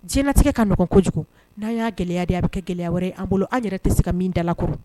Diɲɛnatigɛ ka nɔgɔn ko kojugu na ya gɛlɛya de a bɛ kɛ gɛlɛya wɛrɛ yan bolo an yɛrɛ tɛ se ka min dalakuru